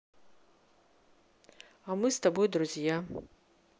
а мы с тобой друзья